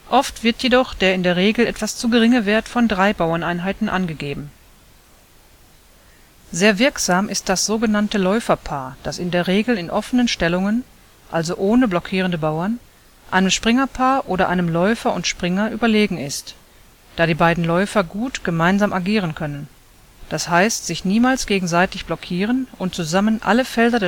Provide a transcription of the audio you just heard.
oft wird jedoch der in der Regel etwas zu geringe Wert von drei Bauerneinheiten angegeben. Sehr wirksam ist das sogenannte Läuferpaar, das in der Regel in offenen Stellungen – also ohne blockierende Bauern – einem Springerpaar oder einem Läufer und Springer überlegen ist, da die beiden Läufer gut gemeinsam agieren können, d. h. sich niemals gegenseitig blockieren und zusammen alle Felder